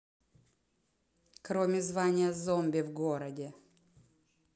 кроме звания зомби в городе